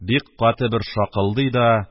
Бик каты бер шакылдый да